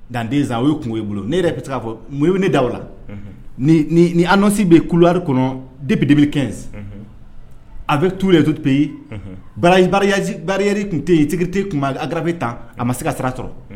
Danden zan u ye kun ye bolo ne yɛrɛ bɛ se k'a fɔ mu ne da la ni nɔsi bɛ kubaliri kɔnɔ dipbikɛ a bɛ tu ye tup ye barari tun tɛ yen terite tun grarababe tan a ma se ka sira sɔrɔ